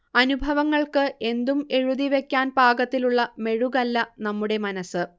അനുഭവങ്ങൾക്ക് എന്തും എഴുതിവെക്കാൻ പാകത്തിലുള്ള മെഴുകല്ല നമ്മുടെ മനസ്സ്